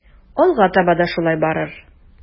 Алга таба да шулай барыр.